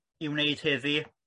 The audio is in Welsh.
heddi'.